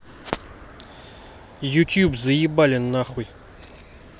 youtube заебали нахуй